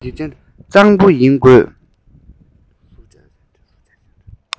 གཙང པོ ཡིན དགོས